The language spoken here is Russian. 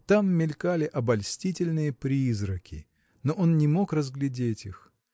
Там мелькали обольстительные призраки, но он не мог разглядеть их